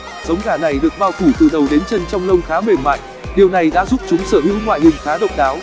giống gà này được bao phủ từ đầu đến chân trong lông khá mềm mại điều này đã giúp chúng sở hữu ngoại hình khá độc đáo